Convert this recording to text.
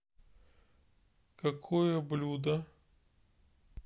какое блюдо